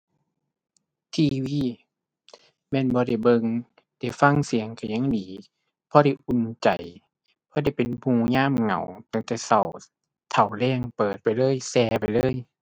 TV แม่นบ่ได้เบิ่ง ได้ฟังเสียงก็ยังดี พอได้อุ่นใจ พอได้เป็นหมู่ยามเหงาตั้งแต่ก็เท่าแลง เปิดไปเลย ก็ไว้เลย